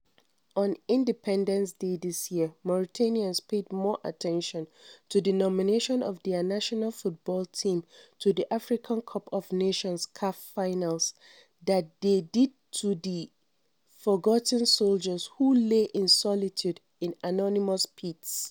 On Independence Day this year, Mauritanians paid more attention to the nomination of their national football team to the Africa Cup of Nations (CAF) finals than they did to the forgotten “soldiers [who] lay in solitude in anonymous pits ...